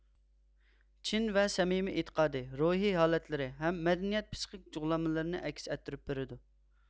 چىن ۋە سەمىمىي ئېتىقادى روھىي ھالەتلىرى ھەم مەدەنىيەت پسىخىك خۇغلانمىلىرىنى ئەكس ئەتتۈرۈپ بېرىدۇ